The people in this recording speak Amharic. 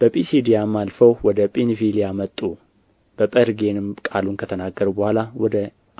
በጲስድያም አልፈው ወደ ጵንፍልያ መጡ በጴርጌንም ቃሉን ከተናገሩ በኋላ ወደ